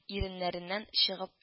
Иреннәреннән чыгып